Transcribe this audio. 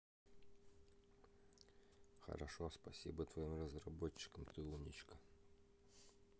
хорошо спасибо твоим разработчикам ты умничка